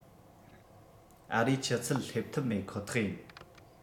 ཨ རིའི ཆུ ཚད སླེབས ཐབས མེད ཁོ ཐག ཡིན